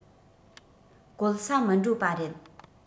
བཀོལ ས མི འགྲོ པ རེད